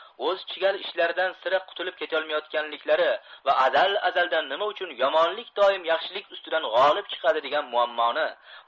o'z chigal ishlaridan sira qutulib ketolmayotganliklari va azal azaldan nima uchun yomonlik do'lm yaxshilik ustidan g'olib chiqadi degan muammoni